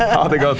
ha det godt.